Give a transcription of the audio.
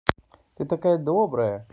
ты такая добрая